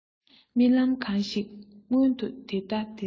རྨི ལམ གང ཞིག མངོན དུ དེ ལྟ དེ ལྟར